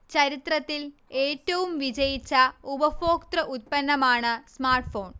ചരിത്രത്തിൽ ഏറ്റവും വിജയിച്ച ഉപഭോക്തൃ ഉത്പന്നമാണ് സ്മാർട്ഫോൺ